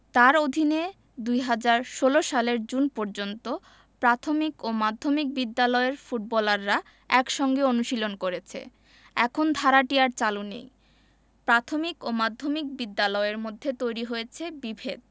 তাঁর অধীনে ২০১৬ সালের জুন পর্যন্ত প্রাথমিক ও মাধ্যমিক বিদ্যালয়ের ফুটবলাররা একসঙ্গে অনুশীলন করেছে এখন ধারাটি আর চালু নেই প্রাথমিক ও মাধ্যমিক বিদ্যালয়ের মধ্যে তৈরি হয়েছে বিভেদ